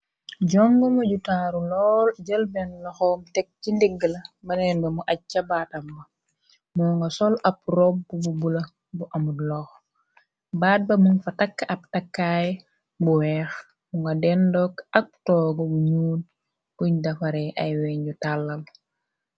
Jongo më jutaaru lool jël been loxoom tek ci ndigg la mëneen ba mu aj cabaatam ba moo nga sol ab rop b bu bula bu amul loox baat ba mun fa takk ab takkaay bu weex bu nga den dokk ak toog bu ñuut kuñ dafare ay weeñ yu tàllal.